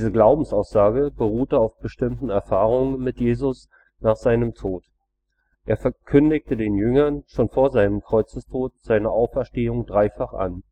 Glaubensaussage beruhte auf bestimmten Erfahrungen mit Jesus nach seinem Tod. Er kündigt den Jüngern schon vor seinem Kreuzestod seine Auferstehung dreifach an